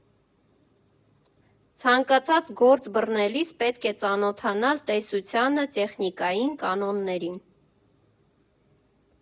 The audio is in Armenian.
Ցանկացած գործ բռնելիս պետք է ծանոթանալ տեսությանը, տեխնիկային, «կանոններին»։